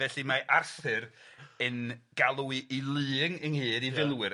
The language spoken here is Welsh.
felly mae Arthur yn galw 'i 'i lu yng ynghyd 'i... Ia. ...filwyr